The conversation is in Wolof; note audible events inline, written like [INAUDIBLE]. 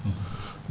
[HESITATION] [HESITATION] [BREATH]